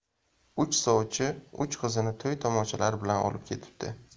uch sovchi uch qizini to'y tomoshalar bilan olib ketibdi